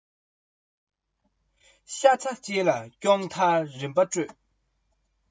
ཤ ཚ ཅན ལ སྐྱོང མཐར རིམ པར སྤྲོད